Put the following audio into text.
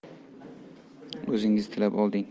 o'zing tilab olding